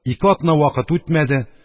Ике атна вакыт үтмәде,